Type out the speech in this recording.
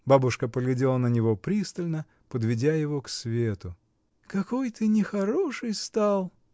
Бабушка поглядела на него пристально, подведя его к свету. — Какой ты нехороший стал.